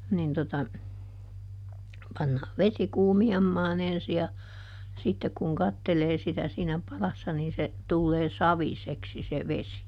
niin tuota pannaan vesi kuumiamaan ensi ja sitten kun katselee sitä siinä padassa niin se tulee saviseksi se vesi